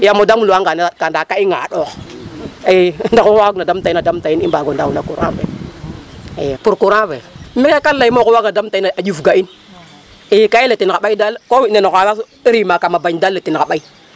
Yaam o damluwanga a na saɗka ndaa ga i ŋaaɗoox i ndaxu waagna damta in a damta in ndax i mbaag o ndaaw no courant fe i pour courant mi'o kam layin ee oxu waagna damtana in a ƴufta in i ga i letin xa ɓay daal bo fi' no xa na rima kam beñ daal letin xa ɓay.